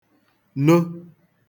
no